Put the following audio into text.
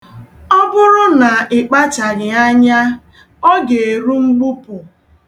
Ọ bụrụ na ị kpachaghị anya, ọ ga-eru mgbupụ.